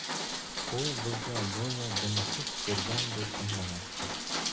u bo'lsa go'yo buni xush ko'rgandek indamasdi